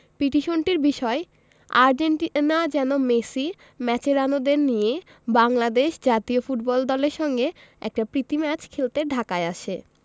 পিটিশনটির বিষয় আর্জেন্টিনা যেন মেসি মাচেরানোদের নিয়ে বাংলাদেশ জাতীয় ফুটবল দলের সঙ্গে একটা প্রীতি ম্যাচ খেলতে ঢাকায় আসে